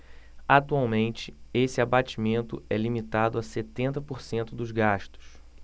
atualmente esse abatimento é limitado a setenta por cento dos gastos